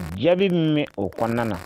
Jaabi min bɛ o kɔnɔna na